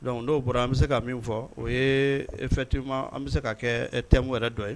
Dɔnku dɔwo bɔra an bɛ se ka min fɔ o ye e fɛ tu ma an bɛ se ka kɛ te wɛrɛ yɛrɛ dɔ ye